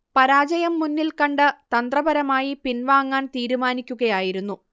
പരാജയം മുന്നിൽ കണ്ട തന്ത്രപരമായി പിൻവാങ്ങാൻ തീരുമാനിക്കുകയായിരുന്നു